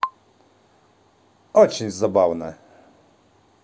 очень забавно